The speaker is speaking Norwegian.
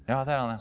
ja det er han ja.